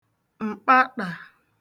m̀kpaṭà